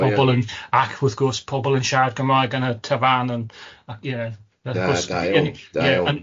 pobol yn... ac wrth gwrs pobl yn siarad Cymraeg yn y tafarn yn, ac yeah Da. Da iawn, da iawn.